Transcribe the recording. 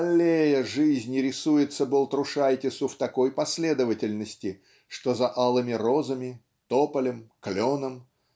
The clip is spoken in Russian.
"Аллея" жизни рисуется Балтрушайтису в такой последовательности что за алыми розами тополем кленом